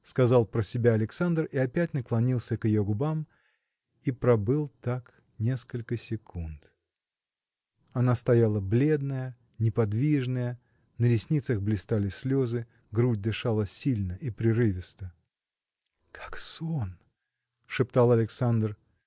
– сказал про себя Александр и опять наклонился к ее губам и пробыл так несколько секунд. Она стояла бледная неподвижная на ресницах блистали слезы грудь дышала сильно и прерывисто. – Как сон! – шептал Александр.